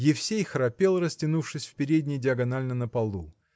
Евсей храпел, растянувшись в передней диагонально на полу.